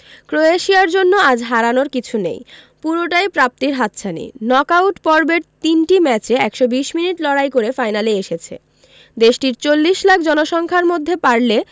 ক্রোয়েশিয়ার জন্য আজ হারানোর কিছু নেই পুরোটাই প্রাপ্তির হাতছানি নক আউট পর্বের তিনটি ম্যাচে ১২০ মিনিট লড়াই করে ফাইনালে এসেছে দেশটির ৪০ লাখ জনসংখ্যার মধ্যে পারলে